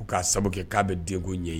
U k'a sababu kɛ k'a bɛ denko ɲɛ ye